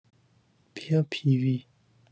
بیا پی وی